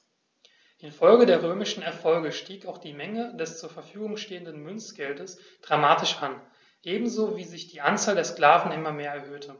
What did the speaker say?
Infolge der römischen Erfolge stieg auch die Menge des zur Verfügung stehenden Münzgeldes dramatisch an, ebenso wie sich die Anzahl der Sklaven immer mehr erhöhte.